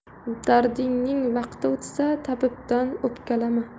dardingning vaqti o'tsa tabibdan o'pkalama